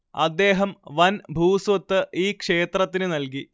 അദ്ദേഹം വൻ ഭൂസ്വത്ത് ഈ ക്ഷേത്രത്തിന് നൽകി